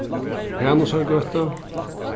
hanusargøta